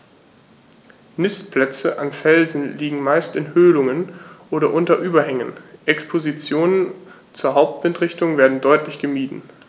Nistplätze an Felsen liegen meist in Höhlungen oder unter Überhängen, Expositionen zur Hauptwindrichtung werden deutlich gemieden.